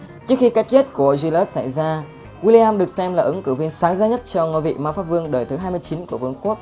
trước khi cái chết của julius xảy ra william được xem là ứng cử viên sáng giá nhất cho ngôi vị mpv đời thứ của vương quốc